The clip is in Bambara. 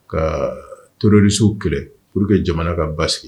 Ka tororisow kɛlɛ p walasaur que jamana ka ba sigi